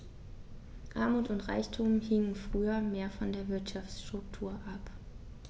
Armut und Reichtum hingen früher mehr von der Wirtschaftsstruktur ab.